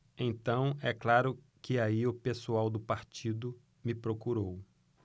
então é claro que aí o pessoal do partido me procurou